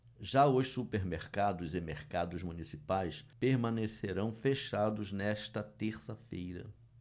já os supermercados e mercados municipais permanecerão fechados nesta terça-feira